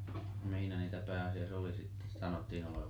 missä niitä pääasiassa oli sitten sanottiin olevan